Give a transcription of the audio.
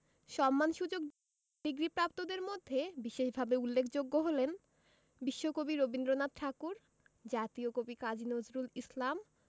সম্মানসূচক ডিগ্রিপ্রাপ্তদের মধ্যে বিশেষভাবে উল্লেখযোগ্য হলেন বিশ্বকবি রবীন্দ্রনাথ ঠাকুর জাতীয় কবি কাজী নজরুল ইসলাম